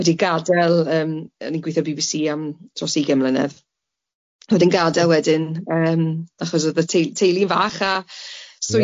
wedi gadel yym o'n i'n gweithio ar y Bee Bee See am dros ugen mlynedd a wedyn gadel wedyn yym achos o'dd y tei- teulu'n fach a swyddi